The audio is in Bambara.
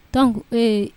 Tɔn eee